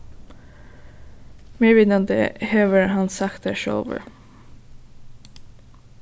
mær vitandi hevur hann sagt tað sjálvur